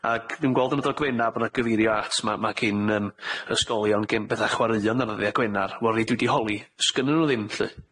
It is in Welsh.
Ac dwi'n gweld yn y dogfenna' bo' 'na gyfeirio at ma' ma' gin yym ysgolion gin betha chwaraeon ar ddyddia' Gwenar. Wel, o'r rhei dwi 'di holi, sgynnyn nw ddim lly.